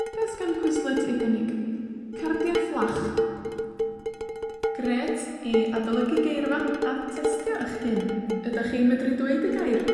Beth 'sgan Quizlet ei gynnig? Cardia fflach, grêt i adolygu geirfa a testio 'ych hun. Ydach chi'n medru dweud y gair